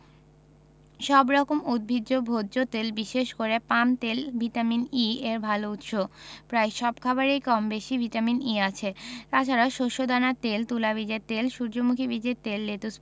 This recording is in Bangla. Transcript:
সব রকম উদ্ভিজ্জ ভোজ্য তেল বিশেষ করে পাম তেল ভিটামিন E এর ভালো উৎস প্রায় সব খাবারেই কমবেশি ভিটামিন E আছে তাছাড়া শস্যদানার তেল তুলা বীজের তেল সূর্যমুখী বীজের তেল লেটুস